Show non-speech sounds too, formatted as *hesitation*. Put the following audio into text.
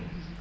*hesitation* *hesitation*